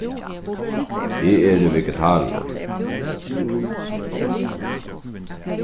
eg eri vegetarur